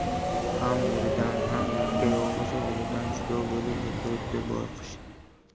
ham eridan ham yakka yolg'iz o'g'lidan judo bo'lib o'tiribdi boyoqish